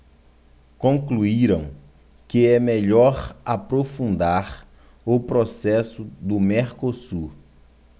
concluíram que é melhor aprofundar o processo do mercosul